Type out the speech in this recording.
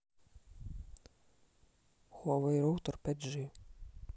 хуавей роутер пять джи